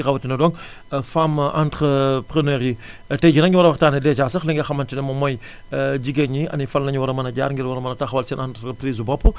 rawtina donc femme entrepreneur yi tay jii nag ñu war a waxtanee dèjà sax li nga xamante ni moom mooy jigéen ñi ani fan lañu war a mën a jaar ngir taxawal seen entreprise bopp